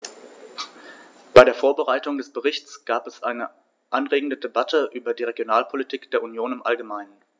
Bei der Vorbereitung des Berichts gab es eine anregende Debatte über die Regionalpolitik der Union im allgemeinen.